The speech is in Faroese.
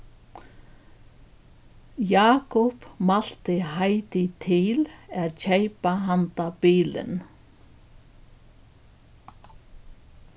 jákup mælti heidi til at keypa handa bilin